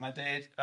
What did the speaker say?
Mae'n deud yy.